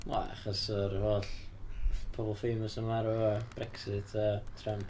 Wel achos yr holl ff- pobol famous yn marw, a Brexit a Trump.